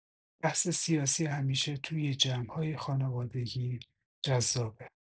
بحث سیاسی همیشه توی جمع‌های خانوادگی جذابه.